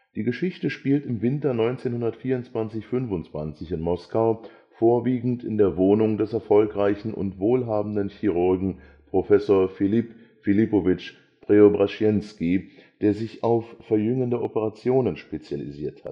Die Geschichte spielt im Winter 1924 / 25 in Moskau, vorwiegend in der Wohnung des erfolgreichen und wohlhabenden Chirurgen Professor Filipp Filippowitsch Preobrashenski, der sich auf verjüngende Operationen spezialisiert